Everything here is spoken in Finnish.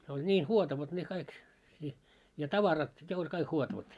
se oli niin huotavat ne kaikki - ja tavarat ne oli kaikki huotavat